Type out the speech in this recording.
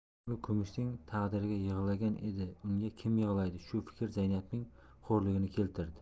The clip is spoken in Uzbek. u kumushning taqdiriga yig'lagan edi unga kim yig'laydi shu fikr zaynabning xo'rligini keltirdi